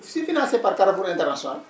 c' est financé par Carrefour International